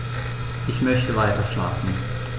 Ich möchte weiterschlafen.